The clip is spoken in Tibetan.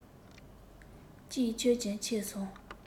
གཅིག ཁྱོད ཀྱིས ཁྱེར སོང